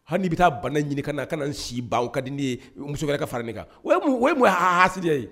Hali bɛ taa banda ɲini ka na a ka si ba ka di' ye muso wɛrɛ ka fara min kan o hahariya ye